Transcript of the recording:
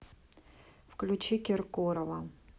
включи киркорова